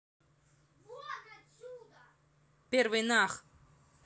первый нах